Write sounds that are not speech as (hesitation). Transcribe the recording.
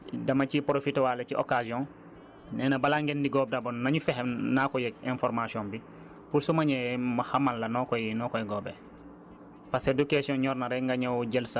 (hesitation) te góob bi tamit dama ciy profiter waale ci occasion nee na balaa ngeen di góob d' abord nañu fexe naa ko yëg information bi pour su ma ñëwee ma xamal la noo koy noo koy góobee